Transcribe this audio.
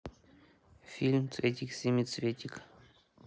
фильм цветик семицветик